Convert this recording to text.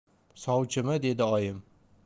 sovchimi dedi oyim